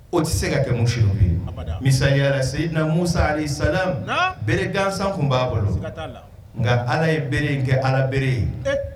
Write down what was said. O tɛ se ka kɛ misi ye misa laseina musa sa bere gansan tun b'a bolo nka ala ye bere kɛ ala bere ye